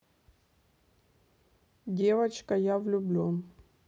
девочка я влюблен